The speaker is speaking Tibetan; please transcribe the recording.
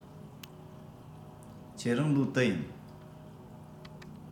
ཁྱེད རང ལོ དུ ཡིན